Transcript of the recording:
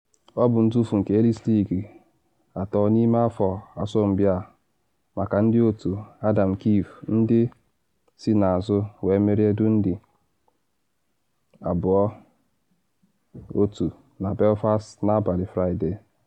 Ọ bụ ntufu nke Elite League atọ n’ime afọ asọmpi a maka ndị otu Adam Keefe ndị si n’azụ wee merie Dundee 2-1 na Belfast n’abalị Fraịde.